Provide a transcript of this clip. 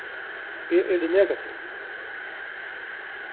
eg eri negativ